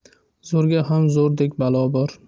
zo'rga ham zo'rdek balo bor